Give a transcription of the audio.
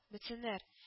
Бетсеннәр